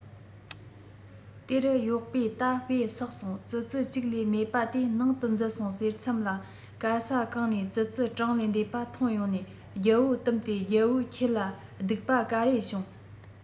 དེར གཡོག པོས ད དཔེ བསགས སོང ཙི ཙི གཅིག ལས མེད པ དེ ནང དུ འཛུལ སོང ཟེར མཚམས ལ ག ས ག ནས ཙི ཙི གྲངས ལས འདས པ ཐོན ཡོང ནས རྒྱལ པོ བཏུམས ཏེ རྒྱལ པོ ཁྱེད ལ སྡུག པ ག རེ བྱུང